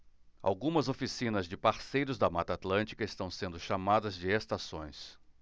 algumas oficinas de parceiros da mata atlântica estão sendo chamadas de estações